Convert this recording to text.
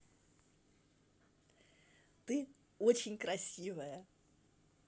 ты очень красивая